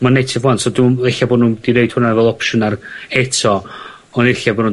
Ma'n native 'wan so dw'm... Ella bo' nw'm 'di neud hwnna fel opsiwn ar eto, on' ella bo' nw'n